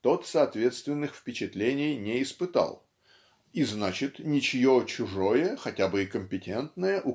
тот соответственных впечатлений не испытал и значит ничье чужое хотя бы и компетентное